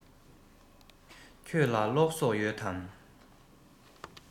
ཁྱོད ལ གློག བསོགས ཡོད དམ